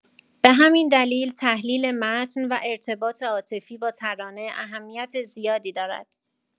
به همین دلیل تحلیل متن و ارتباط عاطفی با ترانه اهمیت زیادی دارد.